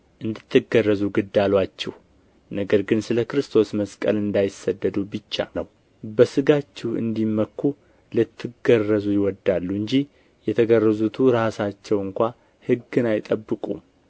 እንድትገረዙ ግድ አሉአችሁ ነገር ግን ስለ ክርስቶስ መስቀል እንዳይሰደዱ ብቻ ነው በሥጋችሁ እንዲመኩ ልትገረዙ ይወዳሉ እንጂ የተገረዙቱ ራሳቸው እንኳ ሕግን አይጠብቁም